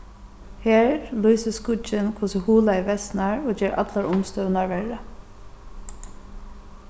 her lýsir skuggin hvussu huglagið versnar og ger allar umstøðurnar verri